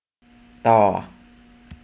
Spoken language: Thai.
ต่อ